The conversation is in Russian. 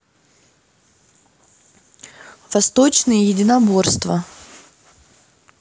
восточные единоборства